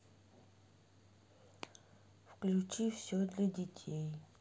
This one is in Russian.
включи все для детей